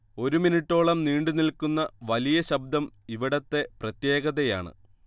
ഒരു മിനുട്ടോളം നീണ്ടുനിൽക്കുന്ന വലിയ ശബ്ദം ഇവിടത്തെ പ്രത്യേകതയാണ്